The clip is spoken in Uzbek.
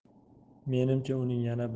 menimcha uning yana